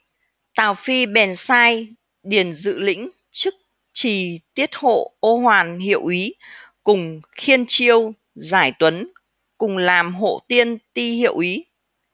tào phi bèn sai điền dự lĩnh chức trì tiết hộ ô hoàn hiệu úy cùng khiên chiêu giải tuấn cùng làm hộ tiên ti hiệu úy